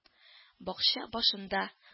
Бакча башында